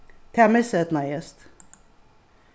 tað miseydnaðist